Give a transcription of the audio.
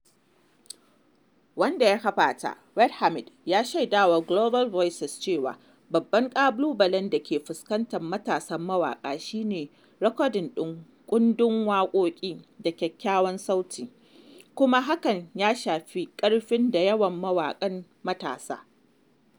Wanda ya kafa ta, Reda Hmidi, ya shaida wa Global Voices cewa, “babban ƙalubale da ke fuskantar matasan mawaƙa shi ne rikodin din kundin waƙoƙi da kyakkyawan sauti, kuma hakan yafi ƙarfin da yawan mawaqan matasa.”